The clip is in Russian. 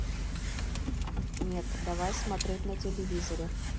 нет давай смотреть на телевизоре